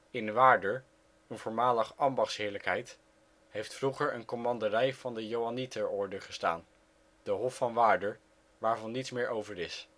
in 1108. In Waarder, een voormalig ambachtsheerlijkheid, heeft vroeger een commanderij van de Johannieterorde gestaan: de Hof van Waarder, waarvan niets meer over is